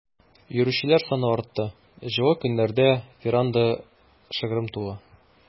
Йөрүчеләр саны артты, җылы көннәрдә веранда шыгрым тулы.